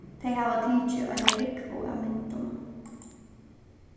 tey hava tikið eina rúgvu av myndum